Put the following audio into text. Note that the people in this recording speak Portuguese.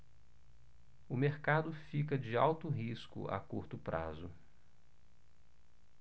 o mercado fica de alto risco a curto prazo